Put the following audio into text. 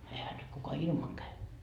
eihän nyt kuka ilman käy